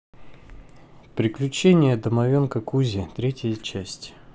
приключения домовенка кузи третья часть